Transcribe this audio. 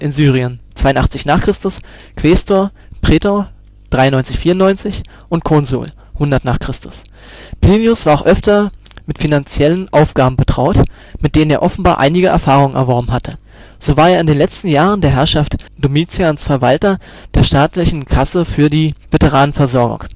Syrien (82 n. Chr.), Quästor, Prätor (93/94) und Konsul (100 n. Chr.). Plinius war auch öfter mit finanziellen Aufgaben betraut, mit denen er offenbar einige Erfahrung erworben hatte. So war er in den letzten Jahren der Herrschaft Domitians Verwalter der staatlichen Kasse für die Veteranenversorgung